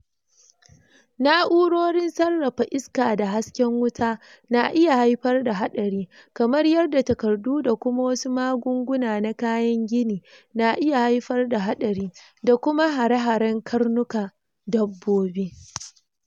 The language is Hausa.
Na'urorin sarrafa iska da hasken wuta na iya haifar da haɗari, kamar yadda takardu da kuma wasu magunguna na kayan gini na iya haifar da haɗari, da kuma hare-haren karnukan dabbobi.